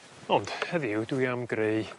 Ond heddiw dwi am greu